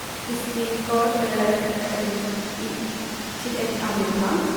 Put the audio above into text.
Hvis de går i til et annet land.